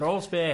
Rolls be?